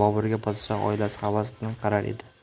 boburga podshoh oilasi havas bilan qarar edi